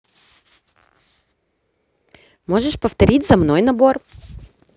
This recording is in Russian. можешь повторить за мной набор